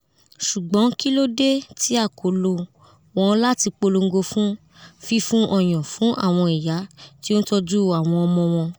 Ṣugbọn kilode ti a ko lo wọn lati polongo fun fifun ọyan fun awọn iya ti o n tọju awọn ọmọ wọn?"